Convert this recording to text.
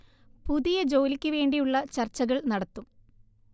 പുതിയ ജോലിക്ക് വേണ്ടി ഉള്ള ചർച്കൾ നടത്തും